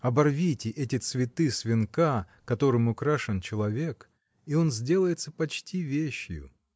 Оборвите эти цветы с венка, которым украшен человек, и он сделается почти вещью.